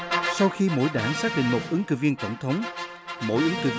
sau khi mỗi đảng xác định một ứng cử viên tổng thống mỗi